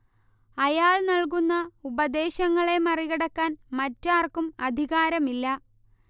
അയാൾ നൽകുന്ന ഉപദേശങ്ങളെ മറികടക്കാൻ മറ്റാർക്കും അധികാരമില്ല